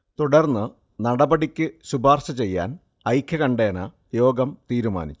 തുടർന്ന് നടപടിക്ക് ശുപാർശചെയ്യാൻ ഐക്യകണ്ഠേന യോഗം തീരുമാനിച്ചു